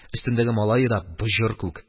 Өстендәге малае да боҗыр күк.